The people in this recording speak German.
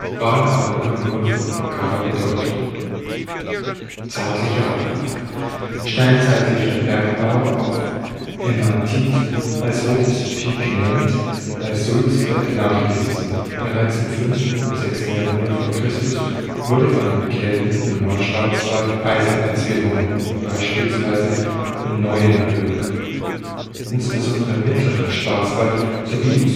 waren aber immer nur von lokaler Bedeutung. Zeitlicher Ablauf: Steinzeitlicher Bergbau auf Hämatit (als rotes Pigment) ist bei Sulzburg nachgewiesen. Bereits im 5. und 6. Jahrhundert v. Chr. wurde von den Kelten im Nordschwarzwald Eisenerz gewonnen (beispielsweise in Neuenbürg). Insbesondere im Mittleren Schwarzwald sowie im